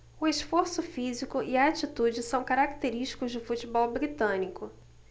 o esforço físico e a atitude são característicos do futebol britânico